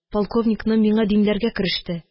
Полковникны миңа димләргә кереште